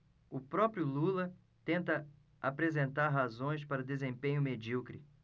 o próprio lula tenta apresentar razões para o desempenho medíocre